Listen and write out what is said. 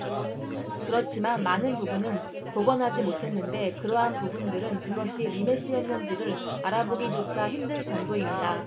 그렇지만 많은 부분은 복원하지 못했는데 그러한 부분들은 그것이 리메스였는지를 알아보기조차 힘들 정도입니다